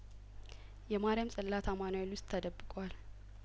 የማርያም ጽላት አማኑኤል ውስጥ ተደብቋል